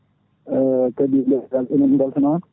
kadi * beltanama